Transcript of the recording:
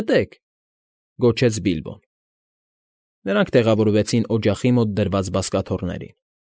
Մտե՛ք,֊ գոչեց Բիլբոն։ Նրանք տեղավորվեցին օջախի մոտ դրված բազկաթոռին։